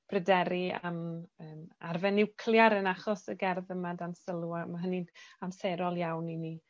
bryderi am yym arfe niwclear yn achos y gerdd yma dan sylw a ma' hynny'n amserol iawn i ni